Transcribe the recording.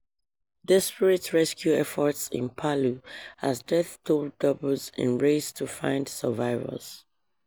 Desperate rescue efforts in Palu as death toll doubles in race to find survivors